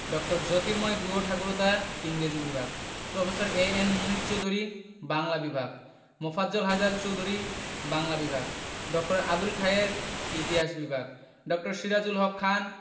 ড. জ্যোতির্ময় গুহঠাকুরতা ইংরেজি বিভাগ প্রফেসর এ.এন মুনীর চৌধুরী বাংলা বিভাগ মোফাজ্জল হায়দার চৌধুরী বাংলা বিভাগ ড. আবুল খায়ের ইতিহাস বিভাগ ড. সিরাজুল হক খান